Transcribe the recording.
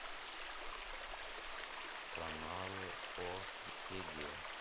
каналы о еде